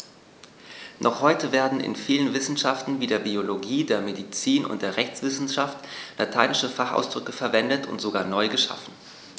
Noch heute werden in vielen Wissenschaften wie der Biologie, der Medizin und der Rechtswissenschaft lateinische Fachausdrücke verwendet und sogar neu geschaffen.